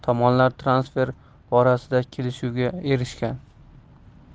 tomonlar transfer borasida kelishuvga erishgan